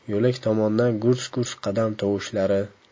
yo'lak tomondan gurs gurs qadam tovushlari